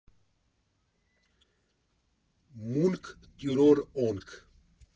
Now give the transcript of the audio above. Մունք տյուրոր օնք։